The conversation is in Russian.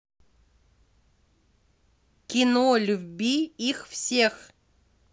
кино люби их всех